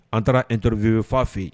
An taara ntorvywfa fɛ yen